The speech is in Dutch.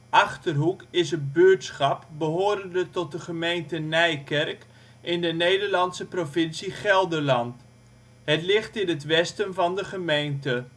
Achterhoek is een buurtschap behorende tot de gemeente Nijkerk in de Nederlandse provincie Gelderland. Het ligt in het westen van de gemeente